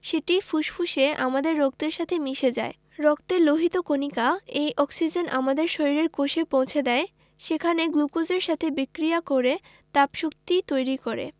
সেটি ফুসফুসে আমাদের রক্তের সাথে মিশে যায় রক্তের লোহিত কণিকা এই অক্সিজেন আমাদের শরীরের কোষে পৌছে দেয় সেখানে গ্লুকোজের সাথে বিক্রিয়া করে তাপশক্তি তৈরি করে